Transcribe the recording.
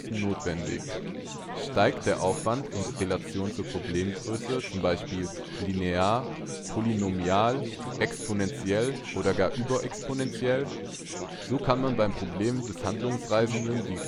notwendig? Steigt der Aufwand (in Relation zur Problemgröße) zum Beispiel linear, polynomial, exponentiell oder gar überexponentiell? So kann man beim Problem des Handlungsreisenden die